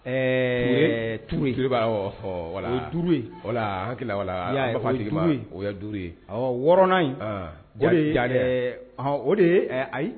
Ɛɛ duuru tile wala duuru wala hakili wala o ye duuru ye ɔ wɔɔrɔn in hɔn o de ayi